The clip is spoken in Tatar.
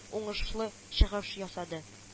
Уңышлы чыгыш ясады